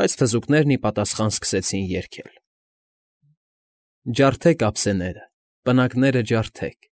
Բայց թզուկներն ի պատասխան սկսեցին երգել. Ջարդեք ափսեները, պնակները ջարդեք,